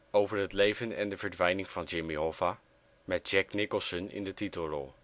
over het leven en de verdwijning van Jimmy Hoffa met Jack Nicholson in de titelrol